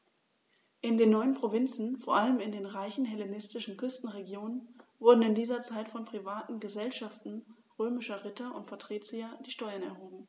In den neuen Provinzen, vor allem in den reichen hellenistischen Küstenregionen, wurden in dieser Zeit von privaten „Gesellschaften“ römischer Ritter und Patrizier die Steuern erhoben.